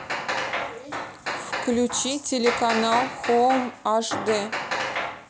включи телеканал хоум аш дэ